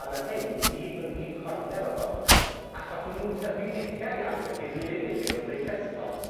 A ma' rhein i gyd mewn un cornel o'r border, achos ma' nhw'n tyfu'n uchel iawn. Felly, dwi ddim isie nw greu cysgod